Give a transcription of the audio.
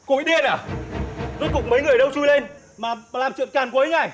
cô bị điên à rốt cuộc mấy người ở đâu chui lên mà mà làm chuyện càn quấy như này